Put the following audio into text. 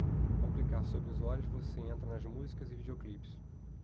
ao clicar sobre os olhos você entra nas músicas e videoclipes